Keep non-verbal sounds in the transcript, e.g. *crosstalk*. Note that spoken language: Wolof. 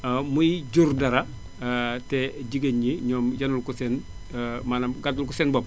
waaw muy jur dara *hesitation* te jigéen ñi ñoom yanul ko seen *hesitation* maanaam gàddul ko seen bopp